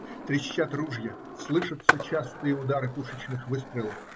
Трещат ружья, слышатся частые удары пушечных выстрелов